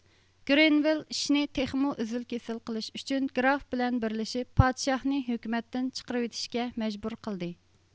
گرېنۋىل ئىشنى تېخمۇ ئۈزۈل كېسىل قىلىش ئۈچۈن گراف بىلەن بىرلىشىپ پادىشاھنى ھۆكۈمەتتىن چىقىرىۋېتىشكە مەجبۇر قىلدى